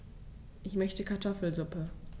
Ich möchte Kartoffelsuppe.